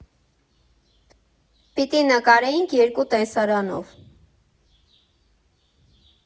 Պիտի նկարեինք երկու տեսարանով։